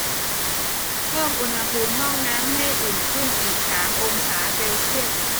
เพิ่มอุณหภูมิห้องน้ำให้อุ่นขึ้นอีกสามองศาเซลเซียส